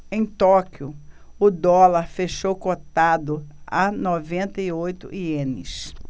em tóquio o dólar fechou cotado a noventa e oito ienes